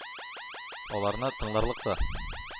Аларны тыңларлык та,